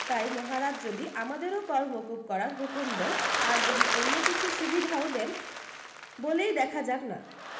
তাই মহারাজ যদি আমাদেরও কর মকুব করার হুকুম দেন আর যদি অন্য কিছু সুবিধাও দেন বলেই দেখা যাক না